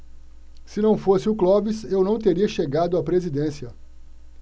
se não fosse o clóvis eu não teria chegado à presidência